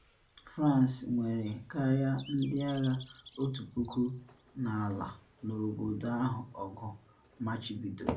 France nwere karịa ndị agha 1,000 n’ala n’obodo ahụ ọgụ mebichagoro.